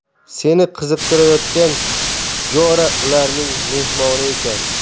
seni qiziqtirayotgan jora ularning mehmoni ekan